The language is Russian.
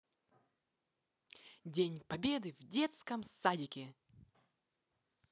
день победы в детском садике